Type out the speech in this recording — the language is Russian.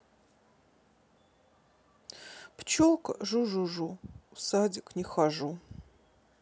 пчелка жу жу жу в садик в школу не хожу